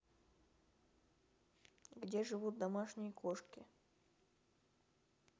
где живут домашние кошки